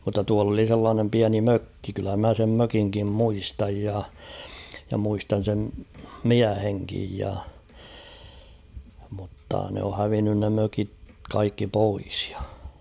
mutta tuolla oli sellainen pieni mökki kyllä minä sen mökinkin muistan ja ja muistan sen miehenkin ja mutta ne on hävinnyt ne mökit kaikki pois ja